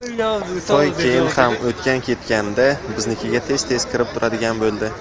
toy keyin ham o'tgan ketganda biznikiga tez tez kirib turadigan bo'ldi